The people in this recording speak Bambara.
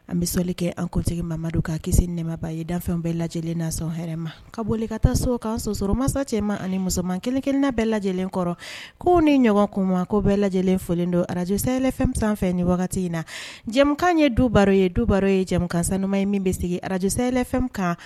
An bɛsali kɛ an kuntigi mamadu ka kisi nɛmaba ye dan bɛɛ lajɛlen na hma ka bɔ ka taa so ka sɔsɔrɔmasa cɛmanma ani musoman kelenkelenina bɛɛ lajɛlen kɔrɔ k ko ni ɲɔgɔn kun ma ko bɛɛ lajɛ lajɛlen fɔ don arajsɛɛlɛfɛn sanfɛ ni wagati in na jamanakan ye dubaro ye dubaro ye jɛkansauman ye min bɛ sigi arajsɛɛlɛlɛfɛn kan